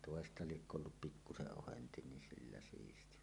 toista liekö ollut pikkuisen ohensi niin sillä siisti vaan